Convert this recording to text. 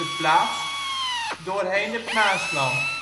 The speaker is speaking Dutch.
plaats doorheen het Maasland